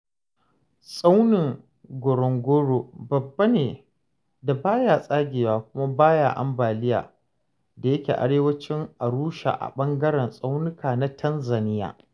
Tsaunin Ngorongoro babba ne da ba ya tsagewa kuma ba ya ambaliya da yake arewacin Arusha a ɓangaren tsauninka na Tanzania